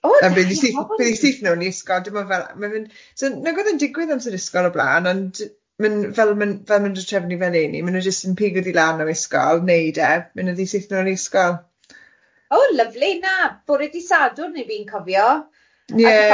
O na byddi syth byddi syth mew i ysgol dim ond fel ma' fe'n so nag oedd e'n digwydd amser ysgol o'r bla'n ond ma'n fel ma'n fel ma'n di trefnu fel leni maen nhw jyst yn pigo di lan o ysgol wneud e maen nhw ddydd syth mewn i ysgol... o lyfli na bore dydd Sadwrn y'n fi'n cofio. ...ie.